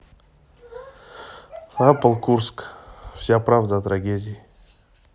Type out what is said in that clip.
апл курск вся правда о трагедии